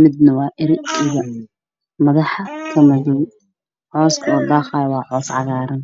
midna waa ri